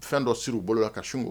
Fɛn dɔ siri u bolola ka sIn k'o